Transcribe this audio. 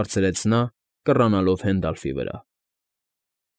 Հարցրեց նա՝ կռանալով Հենդալֆի վրա։